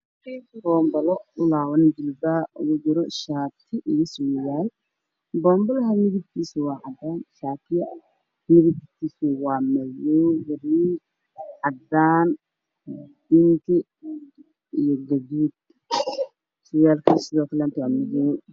Waxa ii muuqda shaati soran bal cadaan shaatiga midafkiisa waa guduud iyo cadan